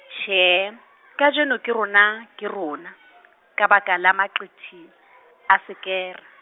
tjhee, kajeno ke rona ke rona, ka baka la maqiti, a Sekere.